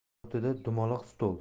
o'rtada dumaloq stol